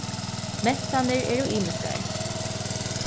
mentanir eru ymiskar